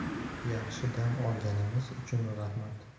yaxshi dam olganimiz uchun raxmat